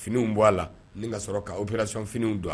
Finiw bɔ a la .Ni ka sɔrɔ ka opération finiw don a la.